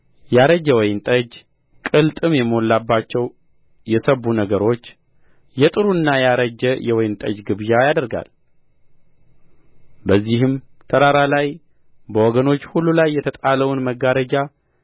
ያረጀ የወይን ጠጅ ቅልጥም የሞላባቸው የሰቡ ነገሮች የጥሩና ያረጀ የወይን ጠጅ ግብዣ ያደርጋል በዚህም ተራራ ላይ በወገኖች ሁሉ ላይ የተጣለውን መጋረጃ